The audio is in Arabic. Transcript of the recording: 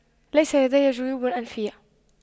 ليس لدي جيوب أنفية